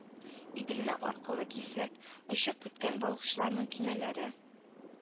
Иделне аркылы кисеп очып үткән балыкчыларның көймәләре,